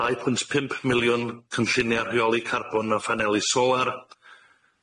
Dau pwynt pump miliwn cynllunio rheoli carbwn a ffanelu solar.